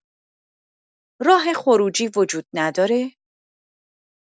راه خروجی وجود نداره؟